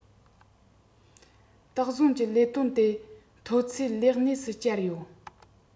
དོགས ཟོན གྱི ལས དོན དེ མཐོ ཚད ལས གནས སུ གྱར ཡོད